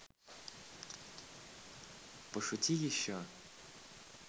пошути еще